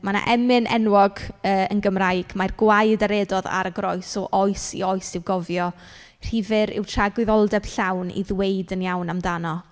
Ma' 'na emyn enwog yy yn Gymraeg "mae'r gwaed a redodd ar y groes o oes i oes i'w gofio, rhy fyr yw tragwyddoldeb llawn i ddweud yn iawn amdano."